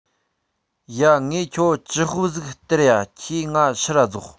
ཡ ངས ཁྱོའ བཅུ ཤོག ཟིག སྟེར ཡ ཁྱོས ངའ ཕྱིར ར རྫོགས